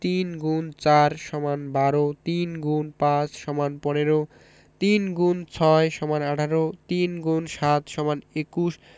৩ X ৪ = ১২ ৩ X ৫ = ১৫ ৩ x ৬ = ১৮ ৩ × ৭ = ২১